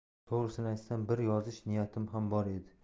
to'g'risini aytsam bir yozish niyatim ham bor edi